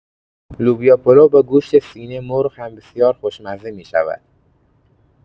لوبیا پلو با گوشت سینه مرغ هم بسیار خوشمزه می‌شود.